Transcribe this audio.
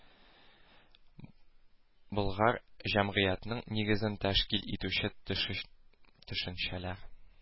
Болгар җәмгыятьнең нигезен тәшкил итүче төшеч төшенчәләр